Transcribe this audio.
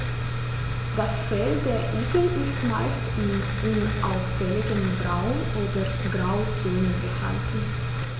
Das Fell der Igel ist meist in unauffälligen Braun- oder Grautönen gehalten.